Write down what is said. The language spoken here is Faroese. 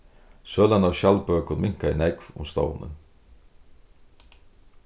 sølan av skjaldbøkum minkaði nógv um stovnin